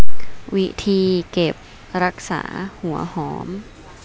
วิธีเก็บรักษาหัวหอม